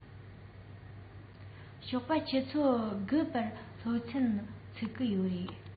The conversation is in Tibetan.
ཞོགས པ ཆུ ཚོད དགུ པར སློབ ཚན ཚུགས ཀྱི ཡོད རེད